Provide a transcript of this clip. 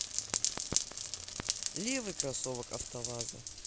левый кроссовок автоваза